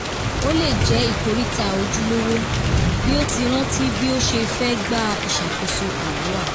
’’Ó lè jẹ́ ìkoríta ojúlówó’’ bí ó ti rántí bí ó ṣe fẹ́ gba ìṣàkóso Alloa.